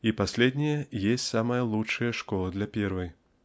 и последняя есть самая лучшая школа для первой.